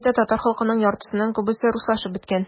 Болай да татар халкының яртысыннан күбесе - руслашып беткән.